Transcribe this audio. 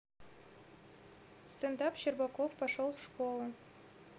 стендап щербаков пошел в школу